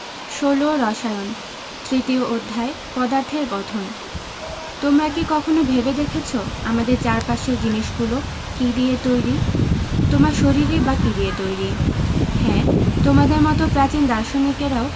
১৬ রসায়ন তৃতীয় অধ্যায় পদার্থের গঠন তোমরা কি কখনো ভেবে দেখেছ আমাদের চারপাশের জিনিসগুলো কী দিয়ে তৈরি তোমার শরীরই বা কী দিয়ে তৈরি হ্যাঁ তোমাদের মতো প্রাচীন দার্শনিকেরাও